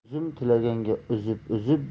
uzum tilaganga uzib uzib